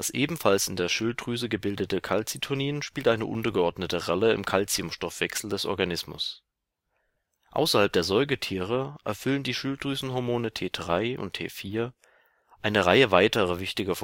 ebenfalls in der Schilddrüse gebildete Calcitonin spielt eine untergeordnete Rolle im Calciumstoffwechsel des Organismus. Außerhalb der Säugetiere erfüllen die Schilddrüsenhormone T3 und T4 eine Reihe weiterer wichtiger